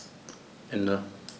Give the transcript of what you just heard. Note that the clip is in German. Ende.